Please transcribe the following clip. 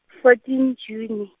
fourteen June.